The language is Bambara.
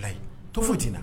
Yi to foyi'